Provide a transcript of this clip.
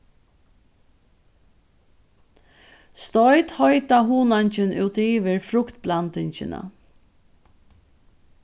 stoyt heita hunangin út yvir fruktblandingina